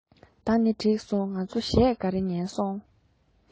ད ནི གྲིགས སོང ང ཚོ གཞས ག རེ ཉན ནམ